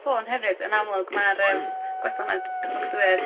sôn hefyd yn amlwg ma'r yym gwasanaeth cyflogadwyed